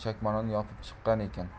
chakmonini yopinib chiqqan ekan